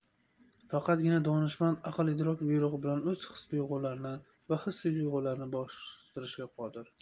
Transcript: faqatgina donishmand aql idrok buyrug'i bilan o'z his tuyg'ulari va his tuyg'ularini bostirishga qodir